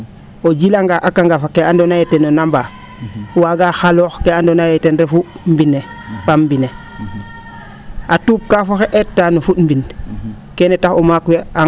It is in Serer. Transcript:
o jilangaa a kangaf ake andoona yee ten o nambaa waaga xaloox kee andoona yee ten refu mbind ne paam mbind ne a tuup kaaf oxey eetaa no fu? mbind kene taxu maak we